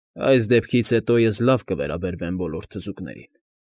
Այս դեպքից հետո ես լավ կվերաբերվեմ բոլոր թզուկներին։